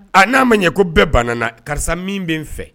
A n'a ma ɲɛ ko bɛɛ banna na karisa min bɛ n fɛ